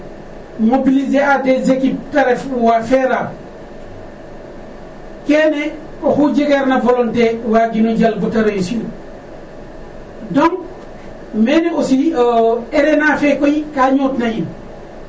mobiliser a des équipe te ref wa FERA kene oxu jegeerna volonté waagino jal ba ta reussir donc mene aussi RNA fe koy ka ñotna in .